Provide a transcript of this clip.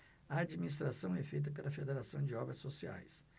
a administração é feita pela fos federação de obras sociais